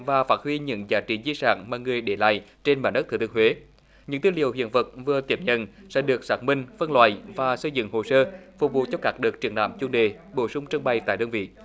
và phát huy những giá trị di sản mà người để lại trên mảnh đất thừa thiên huế những tư liệu hiện vật vừa tiếp nhận sẽ được xác minh phân loại và xây dựng hồ sơ phục vụ cho các đợt triển lãm chủ đề bổ sung trưng bày tại đơn vị